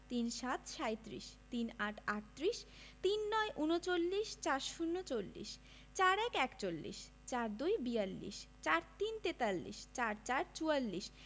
৩৭ - সাঁইত্রিশ ৩৮ - আটত্রিশ ৩৯ - ঊনচল্লিশ ৪০ - চল্লিশ ৪১ - একচল্লিশ ৪২ - বিয়াল্লিশ ৪৩ - তেতাল্লিশ ৪৪ – চুয়াল্লিশ